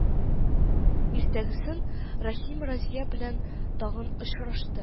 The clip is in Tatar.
Иртәгесен Рәхим Разия белән тагын очрашты